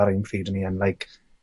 ar un pryd o'n i yn like